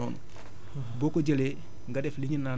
mais ba tey échantillon du sol boobu noonu